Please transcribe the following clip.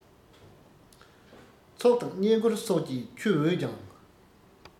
ཚོགས དང བསྙེན བཀུར སོགས ཀྱིས མཆོད འོས ཀྱང